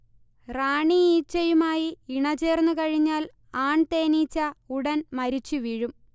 റാണിഈച്ചയുമായി ഇണചേർന്നുകഴിഞ്ഞാൽ ആൺ തേനീച്ച ഉടൻ മരിച്ചുവീഴും